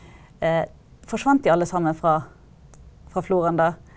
forsvant de alle sammen fra floraen da?